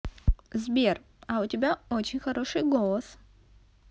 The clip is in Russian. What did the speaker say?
сбер а у тебя очень хороший голос